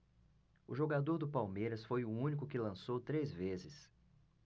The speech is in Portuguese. o jogador do palmeiras foi o único que lançou três vezes